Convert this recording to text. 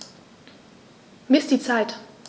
Miss die Zeit.